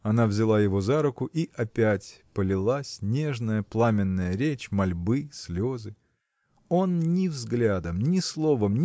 Она взяла его за руку и – опять полилась нежная пламенная речь мольбы слезы. Он ни взглядом ни словом